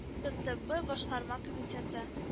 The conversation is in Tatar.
ТэТэБы башкарма комитеты